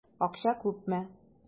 Акча күпме?